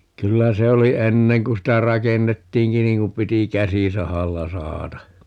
kyllä se oli ennen kun sitä rakennettiinkin niin kun piti käsisahalla sahata